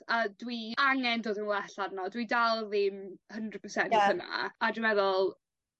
A dwi angen dod yn well arno dwi dal ddim hundred percent... Ie. ...yna a dwi meddwl